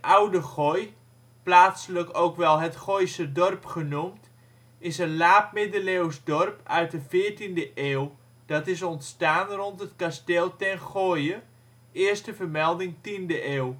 Oude Goy " (plaatselijk ook wel " het Goyse Dorp " genoemd) is een laatmiddeleeuws dorp uit de 14e eeuw, dat is ontstaan rond het kasteel Ten Goye (eerste vermelding 10e eeuw).